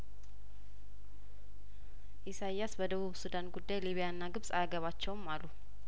ኢሳያስ በደቡብ ሱዳን ጉዳይሊቢያና ግብጽ አያገባቸውም አሉ